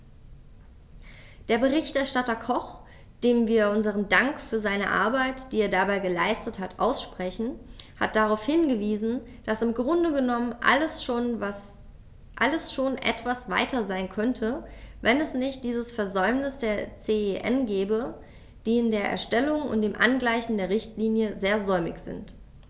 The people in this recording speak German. Der Berichterstatter Koch, dem wir unseren Dank für seine Arbeit, die er dabei geleistet hat, aussprechen, hat darauf hingewiesen, dass im Grunde genommen alles schon etwas weiter sein könnte, wenn es nicht dieses Versäumnis der CEN gäbe, die in der Erstellung und dem Angleichen der Richtlinie sehr säumig sind.